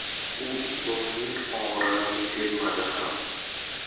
u ukolning og'rig'ini sezmadi ham